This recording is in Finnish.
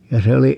ja se oli